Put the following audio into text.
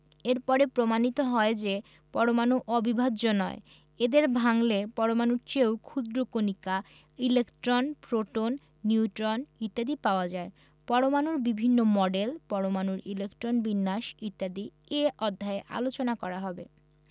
এর পরে প্রমাণিত হয় যে পরমাণু অবিভাজ্য নয় এদের ভাঙলে পরমাণুর চেয়েও ক্ষুদ্র কণিকা ইলেকট্রন প্রোটন নিউট্রন ইত্যাদি পাওয়া যায় পরমাণুর বিভিন্ন মডেল পরমাণুর ইলেকট্রন বিন্যাস ইত্যাদি এ অধ্যায়ে আলোচনা করা হবে